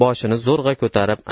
boshini zo'rg'a ko'tarib